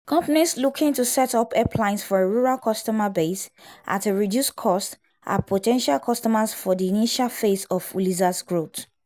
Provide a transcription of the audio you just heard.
Companies looking to set up helplines for a rural customer base at a reduced cost are potential customers for the initial phase of Uliza’s growth.